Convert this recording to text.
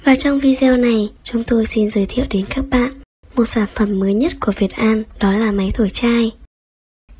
và trong video này chúng tôi xin giới thiệu đến các bạn một sản phẩm mới nhất của việt an đó là máy thổi chai